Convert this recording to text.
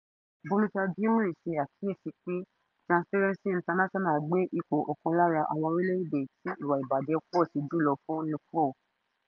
Bhumika Ghimire ṣe àkíyèsi pé Transparency International gbé ipò ọ̀kan lára àwọn orílẹ̀-èdè tí ìwà ìbàjẹ́ pọ̀ sí jùlọ fún Nepal.